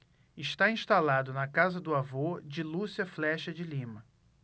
está instalado na casa do avô de lúcia flexa de lima